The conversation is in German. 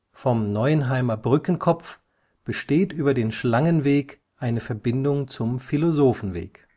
Vom Neuenheimer Brückenkopf besteht über den Schlangenweg eine Verbindung zum Philosophenweg